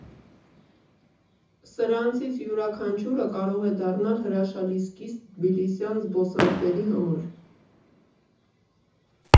Սրանցից յուրաքանչյուրը կարող է դառնալ հրաշալի սկիզբ՝ թբիլիսյան զբոսանքների համար։